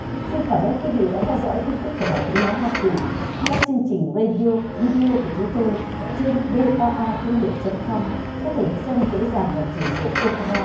xin cảm ơn quý vị đã theo dõi tin tức của đài tiếng nói hoa kỳ các chương trình rây đi ô vi đê ô của chúng tôi trên vê o a tiếng việt chấm khom có thể được xem dễ dàng bằng trình duyệt ô pe ra